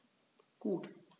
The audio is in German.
Gut.